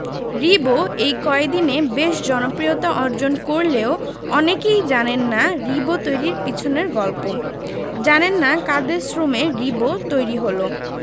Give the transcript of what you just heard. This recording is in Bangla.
রিবো এই কয়দিনে বেশ জনপ্রিয়তা অর্জন করলেও অনেকেই জানেন না রিবো তৈরির পেছনের গল্প জানেন না কাদের শ্রমে রিবো তৈরি হলো